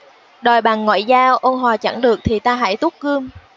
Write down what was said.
đòi bằng ngoại giao ôn hòa chẳng được thì ta hãy tuốt gươm